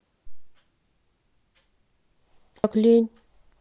мне так лень